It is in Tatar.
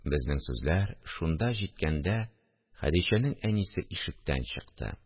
Безнең сүзләр шунда җиткәндә, Хәдичәнең әнисе ишектән чыкты